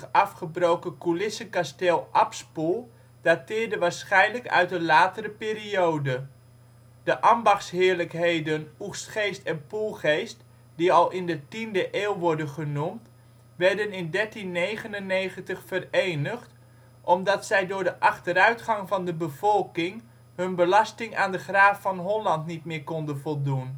afgebroken coulissenkasteel Abspoel dateerde waarschijnlijk uit een latere periode. De ambachtsheerlijkheden Oegstgeest en Poelgeest die al in de tiende eeuw worden genoemd, werden in 1399 verenigd, omdat zij door de achteruitgang van de bevolking hun belasting aan de graaf van Holland niet meer konden voldoen